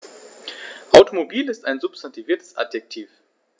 Automobil ist ein substantiviertes Adjektiv.